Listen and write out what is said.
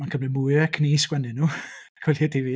Mae'n cymryd mwy o egni i sgwennu nhw coelia di fi.